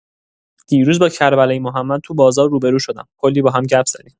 دیروز با کربلایی محمد توی بازار روبرو شدم، کلی با هم گپ زدیم.